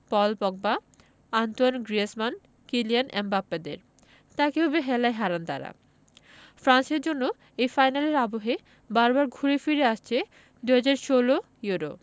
পল Pogba Antoine Griezmann Kylian এমবাপ্পেদের তা কিভাবে হেলায় হারান তাঁরা ফ্রান্সের জন্য এই ফাইনালের আবহে বারবার ঘুরে ফিরে আসছে ২০১৬ ইউরো